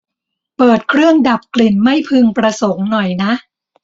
เปิดเครื่องดับกลิ่นไม่พึงประสงค์หน่อยนะ